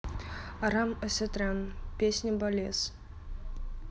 aram asatryan песня балес